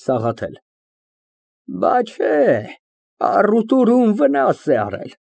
ՍԱՂԱԹԵԼ ֊ Բաս չէ, առուտուրում վնաս է արել։